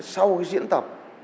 sau diễn tập